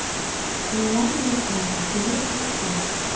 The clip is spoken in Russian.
милана и папа привет сосед